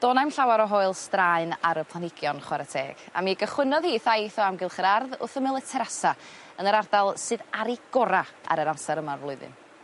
do' na'm llawer o hoyl straen ar y planhigion chware teg, a mi gychwynnodd 'i 'i thaith o amgylch yr ardd wrth ymyl y terasa yn yr ardal sydd ar ei gora' ar yr amser yma y flwyddyn.